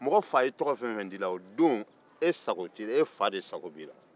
mɔgɔ fa ye tɔgɔ fɛn o fɛn da i la o don e sago t'i la i fa sago de b'i la